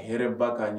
H ba ka